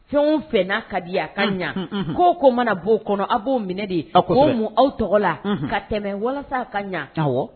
Fɛn o fɛn n'a ka di ye a ka ɲɛ, Unhun, ko ko mana b'o kɔnɔ a b'o minɛ de, aa kosɛbɛ, ko mun aw tɔgɔ la ka tɛmɛ, walasa ka ɲɛ, Awɔ.